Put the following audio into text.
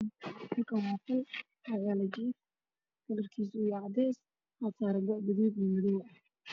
Halkan waa qol waxyalo jiif kalarkis ow yahay cades goa saran waa gadud io madow